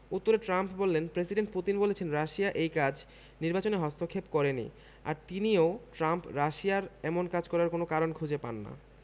উত্তরে ট্রাম্প বললেন president Putin বলেছেন রাশিয়া এই কাজ নির্বাচনে হস্তক্ষেপ করেনি আর তিনিও ট্রাম্প রাশিয়ার এমন কাজ করার কোনো কারণ খুঁজে পান না